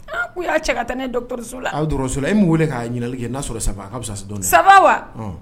A ko y'a cɛ ka taa ne dɔ dɔgɔtɔrɔso la a dɔrɔnso a e mun weele k ka'a ɲininli kɛ n'a sɔrɔ saba fisa sa dɔn saba wa